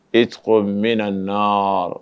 E tɔgɔ min na na